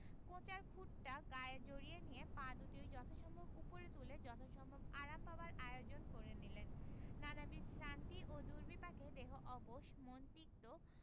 কোঁচার খুঁটটা গায়ে জড়িয়ে নিয়ে পা দুটি যথাসম্ভব উপরে তুলে যথাসম্ভব আরাম পাবার আয়োজন করে নিলেন নানাবিধ শ্রান্তি ও দুর্বিপাকে দেহ অবশ মন তিক্ত